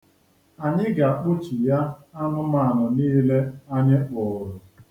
Anyi ga-akpụchigha anụmanụ niile anyi kpụụrụ.